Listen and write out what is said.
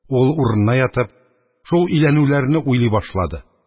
Ул, урынына ятып, шул өйләнүләрне уйлый башлады.